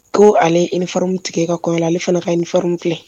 Ko ale ifarin tigɛ ka kɔ ale fana ka nifarin filɛ